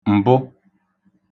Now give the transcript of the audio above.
m̀bụ